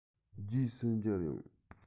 རྗེས སུ མཇལ ཡོང